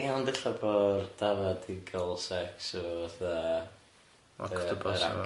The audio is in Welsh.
Ie ond ella bo'r dafad di ca'l sex efo fatha' octopus yna. Be bynnag.